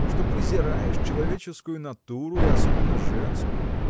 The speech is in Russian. – что презираешь человеческую натуру и особенно женскую